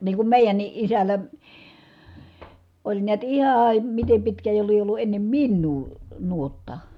niin kun meidänkin isällä oli näet ihan miten pitkään jo lie ollut ennen minua nuotta